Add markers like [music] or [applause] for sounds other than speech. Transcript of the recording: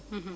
[hesitation] [hesitation]